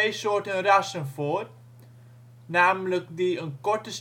soorten rassen voor, namelijk die een korte